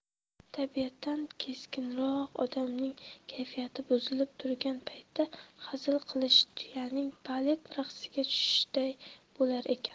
tabiatan keskinroq odamning kayfiyati buzilib turgan paytda hazil qilishi tuyaning balet raqsiga tushishiday bo'lar ekan